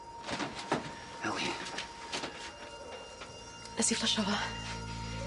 Elin. Nes i fflysho fo.